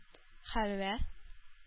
Хәлвә